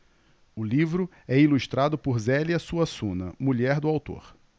o livro é ilustrado por zélia suassuna mulher do autor